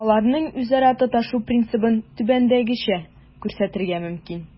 Аларның үзара тоташу процессын түбәндәгечә күрсәтергә мөмкин: